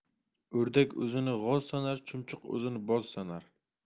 o'rdak o'zini g'oz sanar chumchuq o'zini boz sanar